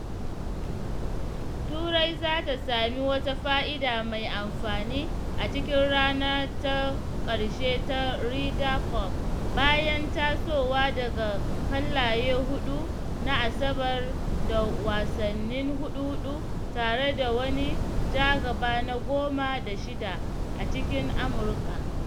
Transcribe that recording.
Turai za ta sami wata fa’ida mai amfani a cikin ranar ta ƙarshe ta Ryder Cup bayan tasowa daga ƙwallaye huɗu na Asabar da wasannin huɗu-huɗu tare da wani ja gaba na 10 da 6 a cikin Amurka.